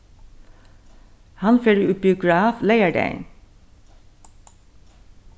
hann fer í biograf leygardagin